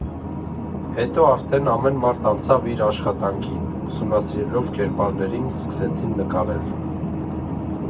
Հետո արդեն ամեն մարդ անցավ իր աշխատանքին, ուսումնասիրելով կերպարներին՝ սկսեցին նկարել։